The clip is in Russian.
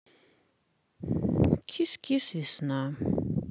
кис кис весна